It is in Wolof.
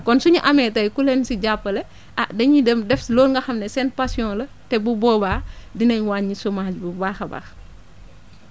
kon suñu amee tey ku leen si jàppale ah dañuy dem def si loolu nga xam ne seen passion la te bu boobaa dinañ wàññi chomage bi baax a baax